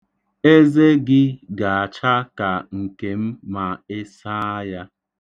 Eze gị ga-acha ka nke m ma i saa ya.